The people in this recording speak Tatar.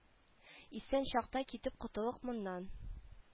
Исән чакта китеп котылыйк моннан